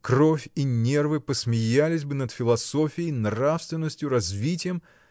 кровь и нервы посмеялись бы над философией, нравственностью, развитием!